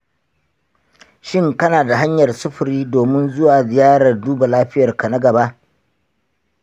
shin kana da hanyar sufuri domin zuwa ziyarar duba lafiyarka na gaba?